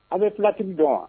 An bɛ filatigi dɔn wa